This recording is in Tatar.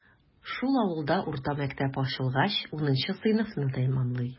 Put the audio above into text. Шул авылда урта мәктәп ачылгач, унынчы сыйныфны тәмамлый.